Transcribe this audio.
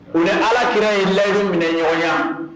U ni Alakira ye layidu minɛ ɲɔgɔn